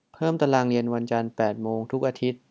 เพิ่มตารางเรียนวันจันทร์แปดโมงทุกอาทิตย์